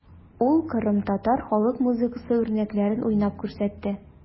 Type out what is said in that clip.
Ул кырымтатар халык музыкасы үрнәкләрен уйнап күрсәтте.